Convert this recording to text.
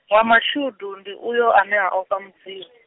wa mashudu, ndi uyo ane a ofha Mudzimu.